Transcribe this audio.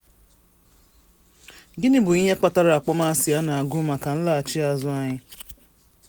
Gịnị bụ ihe kpatara akpọmasị a na agụụ maka nlaghachi azụ anyị?